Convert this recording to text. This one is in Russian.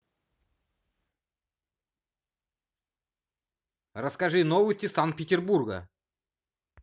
расскажи новости санкт петербурга